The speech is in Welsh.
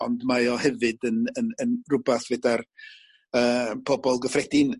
ond mae o hefyd yn yn yn rwbath feda'r yy pobol gyffredin